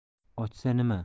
ochsa nima